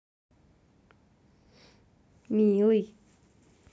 милый